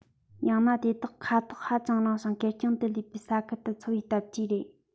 ཡང ན དེ དག ཁ ཐག ཧ ཅང རིང ཞིང ཁེར རྐྱང དུ ལུས པའི ས ཁུལ དུ འཚོ བའི སྟབས ཀྱིས རེད